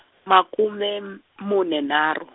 makume m-, mune nharhu.